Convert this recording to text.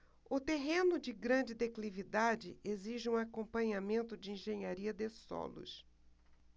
o terreno de grande declividade exige um acompanhamento de engenharia de solos